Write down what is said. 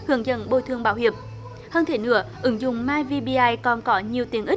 hướng dẫn bồi thường bảo hiểm hơn thế nữa ứng dụng mai vi pi ai còn có nhiều tiện ích